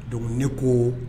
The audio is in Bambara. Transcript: Donc ne koo